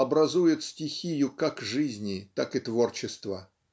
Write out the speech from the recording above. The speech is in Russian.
образует стихию как жизни так и творчества.